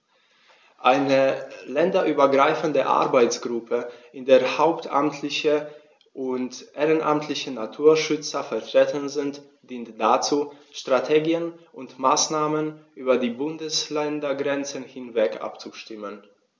Eine länderübergreifende Arbeitsgruppe, in der hauptamtliche und ehrenamtliche Naturschützer vertreten sind, dient dazu, Strategien und Maßnahmen über die Bundesländergrenzen hinweg abzustimmen.